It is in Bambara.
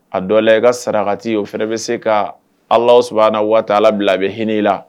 A dɔ la i ka sarati o fɛ bɛ se ka ala s na waati ala bila a bɛ hinɛ la